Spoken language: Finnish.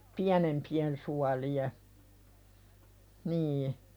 pienempien suolien niin